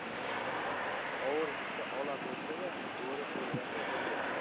ovul iti ola bo'lsa da bo'ri kelganda birlashar